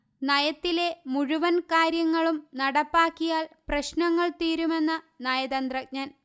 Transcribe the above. നയത്തിലെ മുഴുവന് കാര്യങ്ങളും നടപ്പാക്കിയാല് പ്രശ്നങ്ങള് തീരുമെന്ന് നയതന്ത്രജ്ഞന്